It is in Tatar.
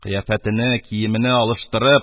Кыяфәтене, киемене алыштырып,